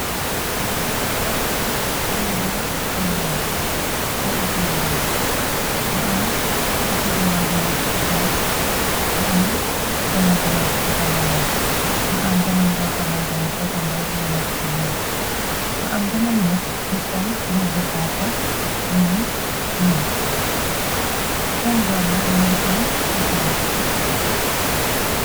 Ay auto ñi ngi daw ci kaw yoon, ay auto yi ndaw mu am auto bu ndaw bu nekk ci kanam , mu am beneen bu nekk ci ganaaw , mu am beneen ba xaman tene saitom bi rek mu nekk di gana. Mu am beneen nit bu sol bu bu xonxo mi ngi ñëw seen boor nag mi ngi am etaas,